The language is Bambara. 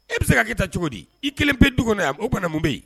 E bɛ se ka kɛ ta cogo di i kelen pe du kɔnɔ yan o kana mun bɛ yen